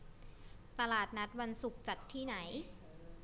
ตลาดนัดวันศุกร์จัดที่ไหน